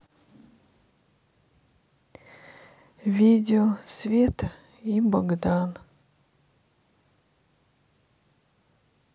видео света и богдан